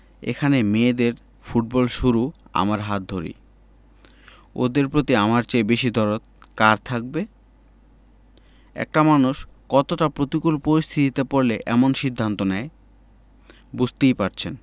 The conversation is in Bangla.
এখানে মেয়েদের ফুটবল শুরু আমার হাত ধরেই ওদের প্রতি আমার চেয়ে বেশি দরদ কার থাকবে একটা মানুষ কতটা প্রতিকূল পরিস্থিতিতে পড়লে এমন সিদ্ধান্ত নেয় বুঝতেই পারছেন